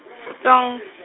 Xitsong-.